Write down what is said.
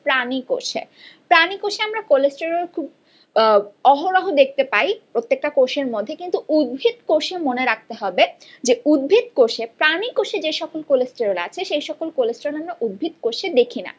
প্রাণী কোষে প্রাণী কোষে আমরা কোলেস্টেরল খুব অহরহ দেখতে পাই প্রত্যেকটা কোষের মধ্যে কিন্তু উদ্ভিদ কোষে মনে রাখতে হবে যে উদ্ভিদ কোষে প্রাণী কোষে যেসকল কোলেস্টেরল আছে সে সকল কোলেস্টেরোল উদ্ভিদ কোষে দেখি না